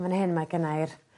man hyn ma' gynnai'r